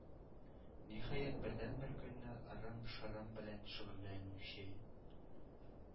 Ниһаять, бердән-бер көнне, ырым-шырым белән шөгыльләнүче